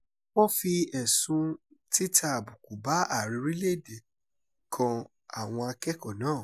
Wọ́n fi ẹ̀sùn "títa àbùkù bá Ààrẹ orílẹ̀-èdè" kan àwọn akẹ́kọ̀ọ́ náà.